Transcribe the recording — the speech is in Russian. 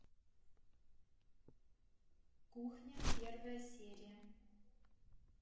кухня первая серия